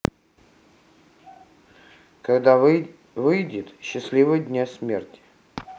когда выйдет счастливого дня смерти